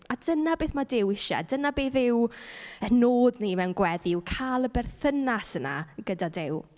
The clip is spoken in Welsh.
A dyna beth ma' Duw isie, dyna beth yw ein nod ni mewn gweddi, yw cael y perthynas yna gyda Duw.